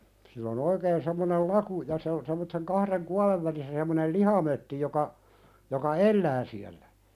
sillä on oikein semmoinen laku ja se on semmoisen kahden kuoren välissä semmoinen lihamötti joka joka elää siellä